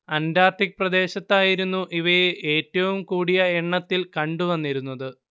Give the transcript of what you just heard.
Antarctic പ്രദേശത്തായിരുന്നു ഇവയെ ഏറ്റവും കൂടിയ എണ്ണത്തിൽ കണ്ടു വന്നിരുന്നത്